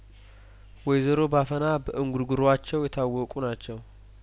ወይዘሮ ባፈና በእንጉርጉሯቸው የታወቁ ናቸው